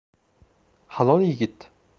halol yigit